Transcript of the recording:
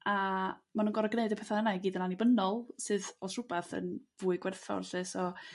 A ma' nhw'n gor'o' g'neud y petha' yna i gyd yn annibynnol sydd os r'wbath yn fwy gwerthfawr 'lly so...